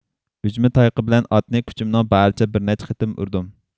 ئۈجمە تايىقى بىلەن ئاتنى كۈچۈمنىڭ بارىچە بىرنەچچە قېتىم ئۇردۇم